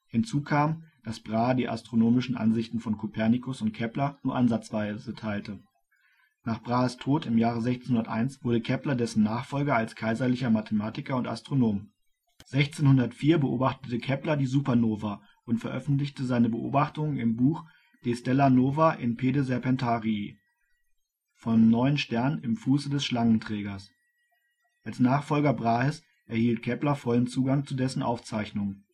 Hinzu kam, dass Brahe die astronomischen Ansichten von Kopernikus und Kepler nur ansatzweise teilte. Nach Brahes Tod im Jahre 1601 wurde Kepler dessen Nachfolger als kaiserlicher Mathematiker und Astronom. Datei:Keplers Zeichnung der Supernova 1604. png Illustration aus De Stella nova in pede Serpentarii, die die Position der Supernova angibt 1604 beobachtete Kepler die Supernova 1604 und veröffentlichte seine Beobachtungen im Buch De Stella nova in pede Serpentarii (Vom neuen Stern im Fuße des Schlangenträgers). Als Nachfolger Brahes erhielt Kepler vollen Zugang zu dessen Aufzeichnungen